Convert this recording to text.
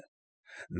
Է։